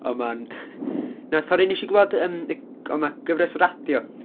Ond ma'n, wnaeth 'a yr un wnes i glywed, yym, ic- o' 'na gyfres radio...